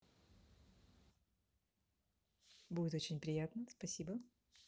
будет очень приятно спасибо